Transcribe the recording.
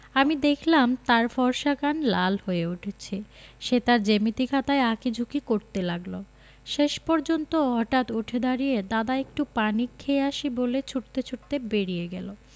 আমি দেখলাম তার ফর্সা কান লাল হয়ে উঠছে সে তার জ্যামিতি খাতায় আঁকি ঝুকি করতে লাগলো শেষ পর্যন্ত হঠাৎ উঠে দাড়িয়ে দাদা একটু পানি খেয়ে আসি বলে ছুটতে ছুটতে বেরিয়ে গেল